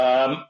Yym.